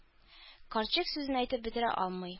Карчык сүзен әйтеп бетерә алмый.